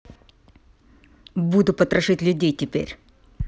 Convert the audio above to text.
буду потрошить людей теперь